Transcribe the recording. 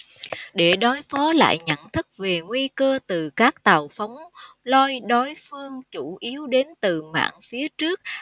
để đối phó lại nhận thức về nguy cơ từ các tàu phóng lôi đối phương chủ yếu đến từ mạn phía trước